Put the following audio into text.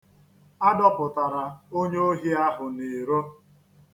A dọpụtara onye ohi ahụ n'iro.